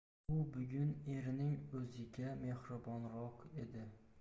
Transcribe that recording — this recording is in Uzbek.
u bugun erining o'ziga mehribonroq edi